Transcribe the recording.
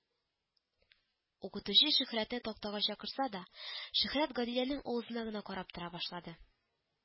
Укытучы Шөһрәтне тактага чакырса да, Шөһрәт Гадиләнең авызына гына карап тора башлады